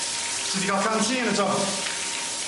Ti 'di ga'l canteen eto?